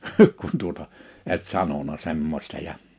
kun tuota et sanonut semmoista ja